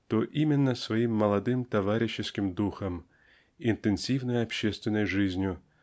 то именно своим молодым товарищеским духом интенсивной общественной жизнью